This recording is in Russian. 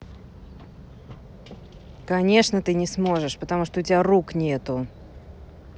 конечно ты не сможешь потому что у тебя рук нету